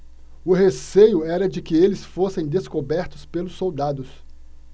o receio era de que eles fossem descobertos pelos soldados